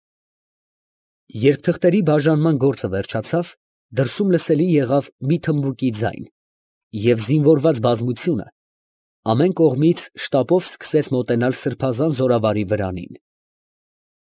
Երբ թղթերի բաժանման գործը վերջացավ, դրսում լսելի եղավ մի թմբուկի ձայն, և զինվորված բազմությունը ամեն կողմից շտապով սկսեց մոտենալ սրբազան զորավարի վրանին։